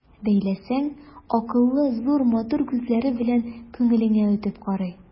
Бәйләсәң, акыллы, зур, матур күзләре белән күңелеңә үтеп карый.